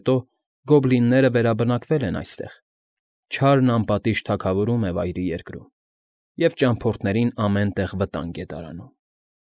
Հետո գոբլինները վերաբնակվել են այստեղ, չարն անպատիժ թագավորում է Վայրի Երկրում և ճամփորդներին ամեն տեղ վտանգ է դարանում։